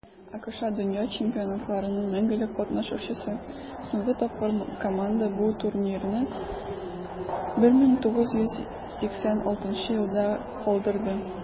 АКШ - дөнья чемпионатларының мәңгелек катнашучысы; соңгы тапкыр команда бу турнирны 1986 елда калдырды.